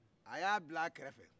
a y'a bil'a kɛrɛfɛ